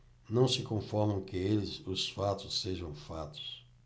não se conformam que eles os fatos sejam fatos